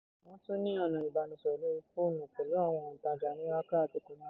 Wọ́n tún ní ọ̀nà ìbánisọ̀rọ̀ lórí fóònù pẹ̀lú àwọn òǹtajà ní Accra àti Kumasi.